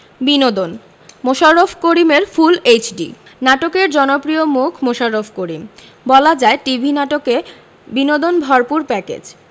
বিনোদন মোশাররফ করিমের full HD নাটকের জনপ্রিয় মুখ মোশাররফ করিম বলা যায় টিভি নাটকে বিনোদনে ভরপুর প্যাকেজ